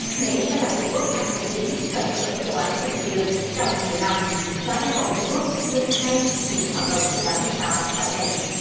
mỹ sẽ là cường quốc an ninh chính trong khu vực châu á thái bình dương trong nhiều năm và yêu cầu trung quốc ngưng ngay những hoạt động xây đảo nhân tạo tại đây